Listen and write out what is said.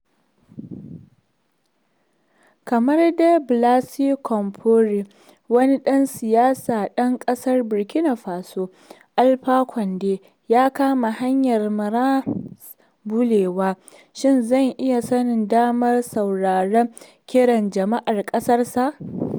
Kamar dai Blaise Compaore [wani ɗan siyasa dan ƙasar Burkina Faso], Alpha Conde ya kama hanyar maras ɓullewa. Shin zai iya samun damar sauraron kiran jama'ar ƙasarsa